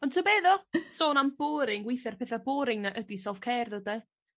Ond ta be' odd o, sôn am boring weithia'r petha boring 'na ydi self care tho 'de?